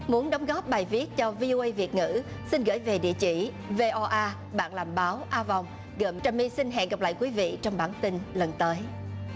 muốn đóng góp bài viết cho vi ô ây việt ngữ xin gửi về địa chỉ vê o a bạn làm báo a vòng trà my xin hẹn gặp lại quý vị trong bản tin lần tới